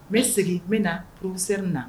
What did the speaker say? N bɛ segin n bɛ na professeur na